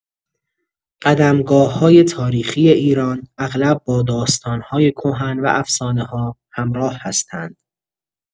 قدمگاه‌های تاریخی ایران اغلب با داستان‌های کهن و افسانه‌ها همراه هستند.